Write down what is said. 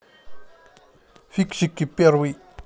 фиксики первый